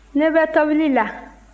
ne bɛ tobili la